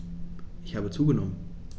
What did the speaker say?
Ich habe zugenommen.